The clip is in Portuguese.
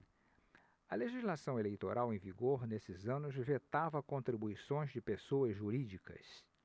a legislação eleitoral em vigor nesses anos vetava contribuições de pessoas jurídicas